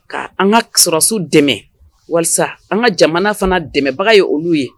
Ka an kasɔrɔsiw dɛmɛ walasa an ka jamana fana dɛmɛbaga ye olu ye